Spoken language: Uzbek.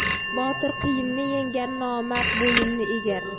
botir qiyinni yengar nomard bo'yinni egar